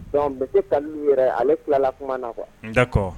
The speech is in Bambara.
Non monsieur Kalilu yɛrɛ ale tilala kumana quoi d'accord